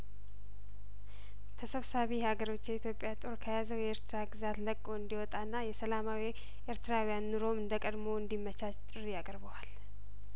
ተሰብሳቢ ሀገሮች የኢትዮጵያ ጦር ከያዘው የኤርትራ ግዛት ለቆ እንዲ ወጣና የሰላማዊ ኤርትራውያን ኑሮም እንደቀድሞው እንዲመቻች ጥሪ አቅርበዋል